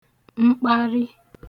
mkparị